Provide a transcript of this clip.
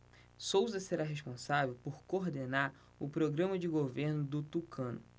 souza será responsável por coordenar o programa de governo do tucano